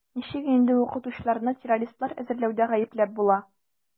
Ничек инде укытучыларны террористлар әзерләүдә гаепләп була?